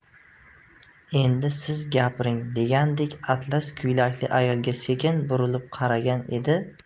endi siz gapiring degandek atlas ko'ylakli ayolga sekin burilib qaragan edi